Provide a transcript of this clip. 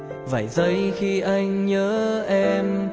vài giây khi anh nhớ em